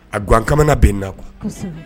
A gan kamana bɛ nakɔ